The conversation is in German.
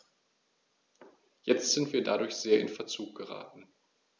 Jetzt sind wir dadurch sehr in Verzug geraten.